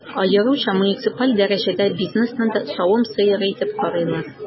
Аеруча муниципаль дәрәҗәдә бизнесны савым сыеры итеп карыйлар.